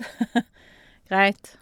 Greit.